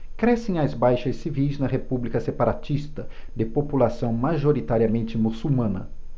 crescem as baixas civis na república separatista de população majoritariamente muçulmana